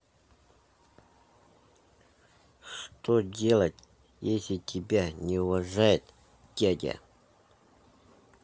что делать если тебя не уважает дядя